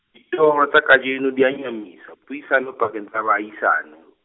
ditoro tsa kajeno di nyahamisa, puisano pakeng tsa bahisani ho-.